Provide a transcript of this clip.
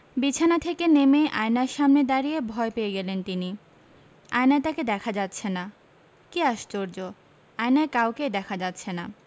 বিছানা থেকে নেমে আয়নার সামনে দাঁড়িয়ে ভয় পেয়ে গেলেন তিনি আয়নায় তাঁকে দেখা যাচ্ছে না কী আশ্চর্য আয়নায় কাউকেই দেখা যাচ্ছে না